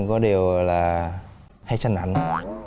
có điều là hay sanh nạnh